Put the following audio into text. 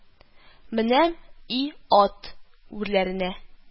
Менәм и ат үрләренә